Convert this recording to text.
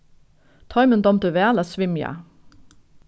teimum dámdi væl at svimja